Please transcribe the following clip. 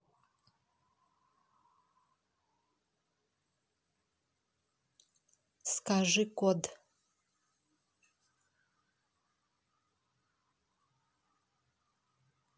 скажи код